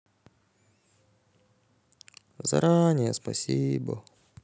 заранее спасибо